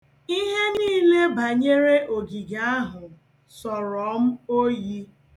Ihe niile banyere ogige ahụ sọrọ m oyi.